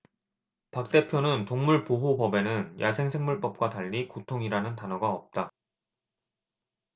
박 대표는 동물보호법에는 야생생물법과 달리 고통이라는 단어가 없다